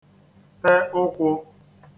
te ụkwụ